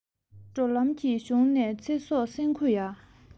འགྲོ ལམ གྱི གཞུང ནས ཚེ སྲོག བསྲིང དགོས ཡ